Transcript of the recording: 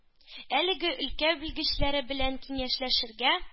Әлеге өлкә белгечләре белән киңәшләшергә,